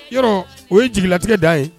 Yɔrɔ o ye jigi latigɛ da ye